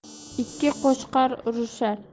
ikki qo'chqor urishar echkining buti ayrilar